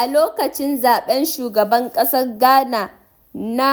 A lokacin zaɓen shugaban ƙasan Ghana na